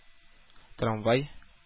Трамвай